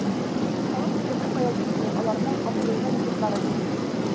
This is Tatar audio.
Халык үзе беркая китми, аларның абруйлы лидерлары юк.